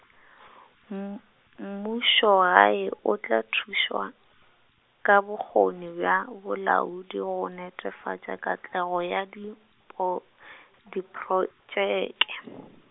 m-, mmušogae o tla thuša , ka bokgoni bja bolaodi go netefatša katlego ya di po- , diprotšeke.